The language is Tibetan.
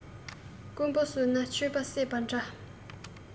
རྐུན པོ གསོས ན ཆོས པ བསད པ འདྲ